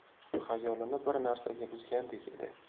xayolini bir narsa buzgandek edi